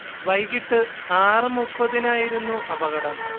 വൈകിട്ട് ആറുമുപ്പതിനായിരുന്നു അപകടം